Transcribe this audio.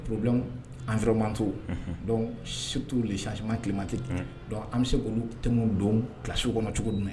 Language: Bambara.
Pbu an sɔrɔmant dɔntu sasi tilemati an bɛ se olu te don kisiw kɔnɔ cogo dun ye